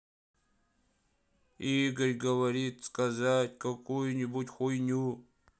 игорь говорит сказать какую нибудь хуйню